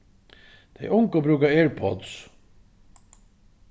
tey ungu brúka airpods